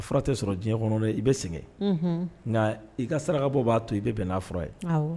Fura tɛ sɔrɔ diɲɛ kɔnɔ dɛ i bɛ sɛgɛn, unhun, nka i ka sarakabɔ b'a to i bɛ bɛn n'a fɔra ye